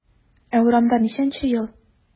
Ә урамда ничәнче ел?